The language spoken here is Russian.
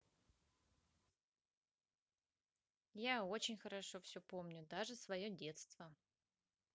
я очень хорошо все помню даже свое детство